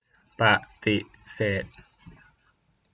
ปฏิเสธ